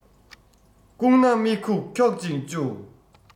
བཀུག ན མི ཁུག འཁྱོག ཅིང གཅུ